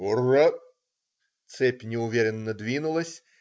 Ура!" Цепь неуверенно двинулась.